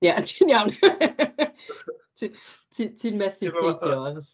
Ie ti'n iawn . Ti ti ti'n methu peidio achos...